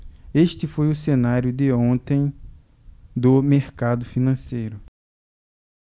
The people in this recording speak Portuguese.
este foi o cenário de ontem do mercado financeiro